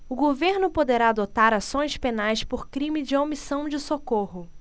o governo poderá adotar ações penais por crime de omissão de socorro